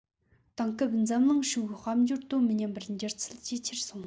དེང སྐབས འཛམ གླིང ཧྲིལ པོའི དཔལ འབྱོར དོ མི མཉམ པར འགྱུར ཚད ཇེ ཆེར སོང